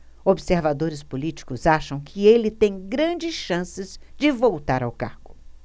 observadores políticos acham que ele tem grandes chances de voltar ao cargo